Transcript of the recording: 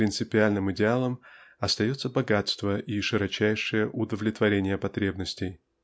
принципиальным идеалом остается богатство и широчайшее удовлетворение потребностей.